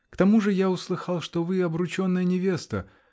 К тому же я услыхал, что вы обрученная невеста.